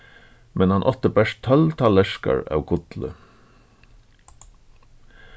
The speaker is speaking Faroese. men hann átti bert tólv tallerkar av gulli